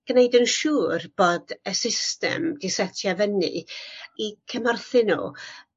gneud yn siŵr bod y system 'di setio fyny i cymhorthu n'w.